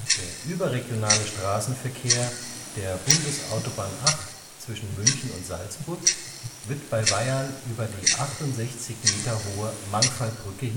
Der überregionale Straßenverkehr der Bundesautobahn 8 (München – Salzburg) wird bei Weyarn über die 68 Meter hohe Mangfallbrücke